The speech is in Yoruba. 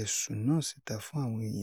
ẹ̀sùn náà síta fún àwọn èèyàn.